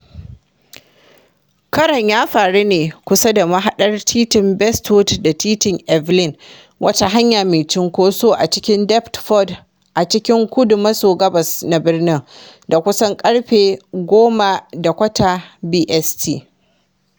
Karon ya faru ne kusa da mahaɗar Titin Bestwood da Titin Evelyn, wata hanya mai cunkoso a cikin Deptford, a cikin kudu-maso-gabas na birnin, da kusan ƙarfe 10:15 BST.